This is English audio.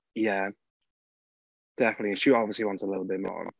Ie, definitely. She obviously wants a little bit more.